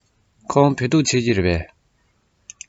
ཁོང བོད ཐུག མཆོད ཀྱི རེད པས